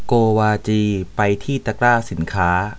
โกวาจีไปที่ตะกร้าสินค้า